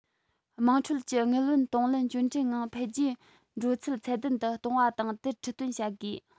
དམངས ཁྲོད ཀྱི དངུལ བུན གཏོང ལེན སྐྱོན བྲལ ངང འཕེལ རྒྱས འགྲོ ཚུལ ཚད ལྡན དུ གཏོང བ དང དེར ཁྲིད སྟོན བྱ དགོས